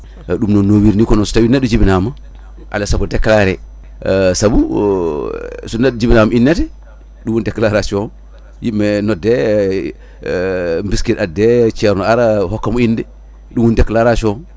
eyyi ɗum noon no wirini ko no so tawi neɗɗo jibinama alay saago déclaré saabu so jibinama innete ɗum woni déclaration o yimɓe nodde biskit adde ceerno aara hokkamo inde ɗum woni déclaration